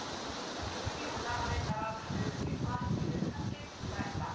등급이 올라감에 따라 받은 금액과 혜택은 함께 증가했다